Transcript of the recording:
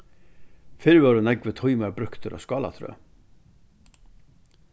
fyrr vóru nógvir tímar brúktir á skálatrøð